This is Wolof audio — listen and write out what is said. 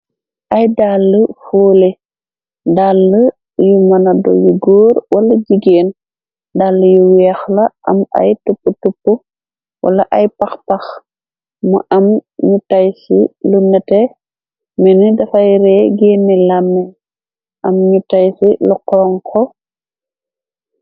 Ay dàlle foole dàlle yu mënado yu góor wala jigeen dalle yu weex la am ay tup-tup wala ay pax-pax mu am ñu taysi lu nete melne dafay ree genni làmme am ñu tayfi lu xonxo.